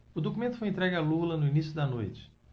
o documento foi entregue a lula no início da noite